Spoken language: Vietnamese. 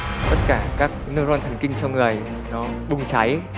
tất cả các nơ ron thần kinh trong người nó bùng cháy